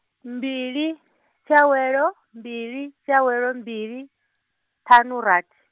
mbili , tshiawelo, mbili, tshiawelo mbili, ṱhanu rathi.